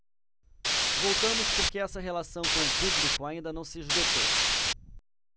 voltamos porque essa relação com o público ainda não se esgotou